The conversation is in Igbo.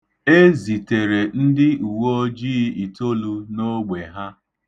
E zitere ndị uwoojii itolu n'ogbe ha.